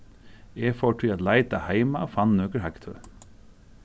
eg fór tí at leita heima og fann nøkur hagtøl